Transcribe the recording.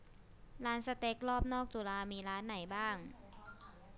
ร้านสเต็กรอบนอกจุฬามีร้านไหนบ้าง